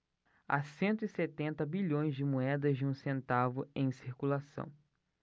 há cento e setenta bilhões de moedas de um centavo em circulação